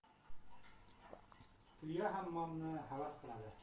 tuya hammomni havas qilar